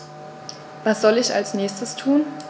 Was soll ich als Nächstes tun?